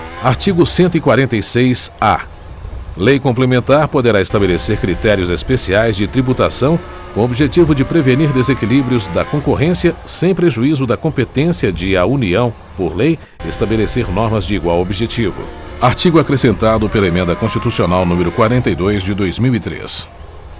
artigo cento e quarenta e seis a lei complementar poderá estabelecer critérios especiais de tributação com o objetivo de prevenir desequilíbrios da concorrência sem prejuízo da competência de a união por lei estabelecer normas de igual objetivo artigo acrescentado pela emenda constitucional número quarenta e dois de dois mil e três